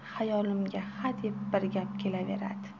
xayolimga hadeb bir gap keladi